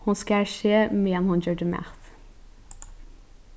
hon skar seg meðan hon gjørdi mat